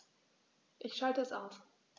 Ich schalte es aus.